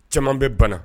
Caman bɛ bana